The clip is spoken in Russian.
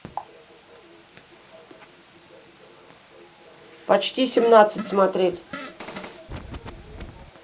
почти семнадцать смотреть